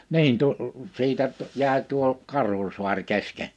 niin - siitä jäi tuo Karhusaari kesken